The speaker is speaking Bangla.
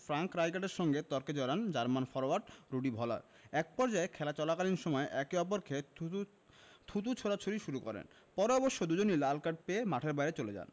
ফ্র্যাঙ্ক রাইকার্ডের সঙ্গে তর্কে জড়ান জার্মান ফরোয়ার্ড রুডি ভলার একপর্যায়ে খেলা চলাকালীন সময়েই একে অপরকে থুতু থুতু ছোড়াছুড়ি শুরু করেন পরে অবশ্য দুজনই লাল কার্ড পেয়ে মাঠের বাইরে চলে যান